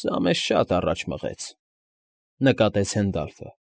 Սա մեզ շատ առաջ մղեց,֊ նկատեց Հենդալֆը։֊